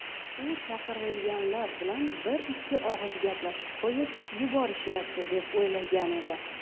u chaqirilganlar bilan bir ikki og'iz gaplashib qo'yib yuborishyapti deb o'ylagan edi